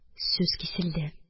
Сүз киселде.